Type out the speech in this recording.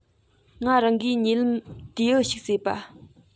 ང རང གིས ཉེ ལམ རྟེའུ ཞིག གསོས པ དང